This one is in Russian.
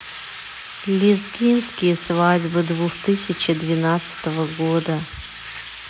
лизгинские свадьбы двух тысячи двенадцатого года